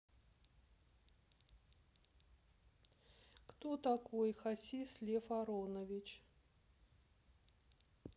кто такой хасис лев аронович